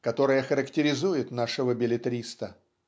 какая характеризует нашего беллетриста.